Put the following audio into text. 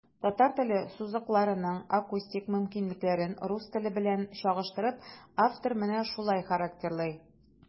Татар теле сузыкларының акустик мөмкинлекләрен, рус теле белән чагыштырып, автор менә шулай характерлый.